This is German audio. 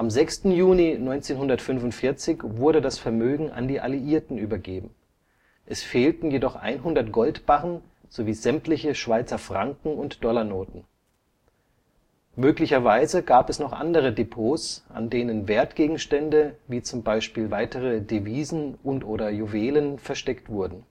6. Juni 1945 wurde das Vermögen an die Alliierten übergeben. Es fehlten jedoch 100 Goldbarren sowie sämtliche Schweizer Franken und Dollarnoten. Möglicherweise gab es noch andere Depots, an denen Wertgegenstände, wie zum Beispiel weitere Devisen und/oder Juwelen, versteckt wurden